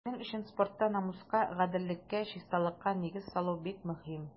Безнең өчен спортта намуска, гаделлеккә, чисталыкка нигез салу бик мөһим.